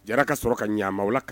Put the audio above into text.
Jara ka sɔrɔ ka ɲama kan